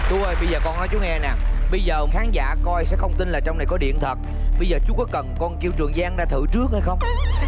chú ơi bây giờ con nói chú nghe nè bây giờ khán giả coi sẽ không tin là trong này có điện bây giờ chú có cần con kêu trường giang ra thử trước hay không